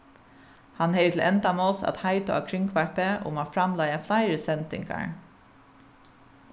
hann hevði til endamáls at heita á kringvarpið um at framleiða fleiri sendingar